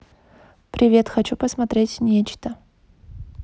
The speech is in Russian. привет хочу посмотреть нечто